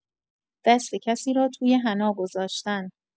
دست کسی را توی حنا گذاشتن